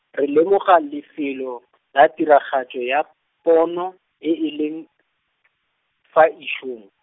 re lemoga lefelo , la tiragatso ya, pono, e e leng , fa isong.